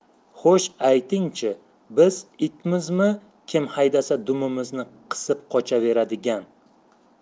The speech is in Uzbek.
xo'sh ayting chi biz itmizmi kim haydasa dumimizni qisib qochaveradigan